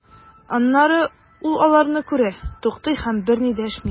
Аннары ул аларны күрә, туктый һәм берни дәшми.